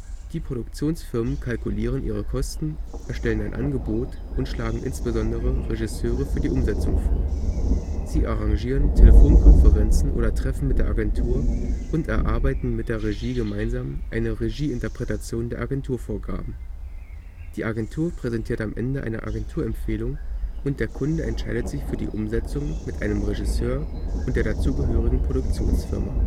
Die Produktionsfirmen kalkulieren ihre Kosten, erstellen ein Angebot und schlagen insbesondere Regisseure für die Umsetzung vor. Sie arrangieren Telefonkonferenzen oder Treffen mit der Agentur und erarbeiten mit der Regie gemeinsam eine Regie-Interpretation der Agenturvorgaben. Die Agentur präsentiert am Ende eine Agenturempfehlung und der Kunde entscheidet sich für die Umsetzung mit einem Regisseur und der dazugehörigen Produktionsfirma